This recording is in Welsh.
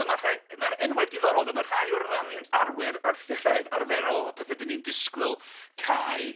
A ma' rhai ma'r enwau diddorol de ma' rhai o'r yym arwyr Arthuraidd arferol, y pethe 'dan ni'n disgwyl Cai